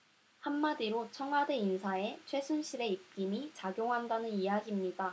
한 마디로 청와대 인사에 최순실의 입김이 작용한다는 이야깁니다